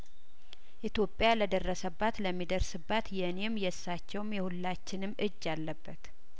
ኢትዮጵያ ለደረሰባት ለሚደርስባት የእኔም የእሳቸውም የሁላችንም እጅ አለበት